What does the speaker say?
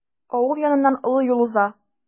Авыл яныннан олы юл уза.